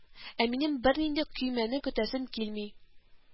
Ә минем бернинди көймәне көтәсем килми